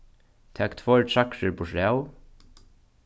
tak tveir træðrir burturav